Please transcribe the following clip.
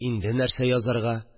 Инде нәрсә язарга